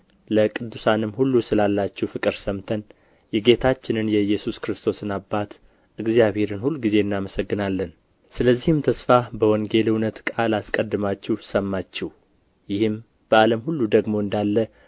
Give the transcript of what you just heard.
ለቅዱሳንም ሁሉ ስላላችሁ ፍቅር ሰምተን የጌታችንን የኢየሱስ ክርስቶስን አባት እግዚአብሔርን ሁልጊዜ እናመሰግናለን ስለዚህም ተስፋ በወንጌል እውነት ቃል አስቀድማችሁ ሰማችሁ ይህም በዓለም ሁሉ ደግሞ እንዳለ